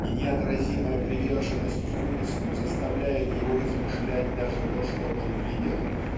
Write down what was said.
И неотразимая приверженность к вымыслу заставляет его измышлять даже то что он видел